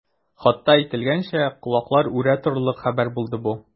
Хатта әйтелгәнчә, колаклар үрә торырлык хәбәр булды бу.